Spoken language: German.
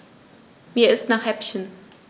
Mir ist nach Häppchen.